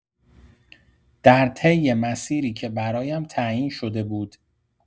در طی مسیری که برایم تعیین شده بود